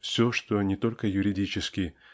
Все что не только юридически